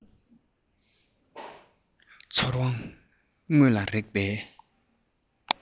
ཚོར བ དངོས ལ རེག པའི